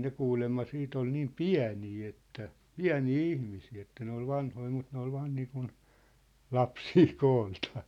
ne kuulemma sitten oli niin pieniä että pieniä ihmisiä että ne oli vanhoja mutta ne oli vain niin kuin lapsia kooltaan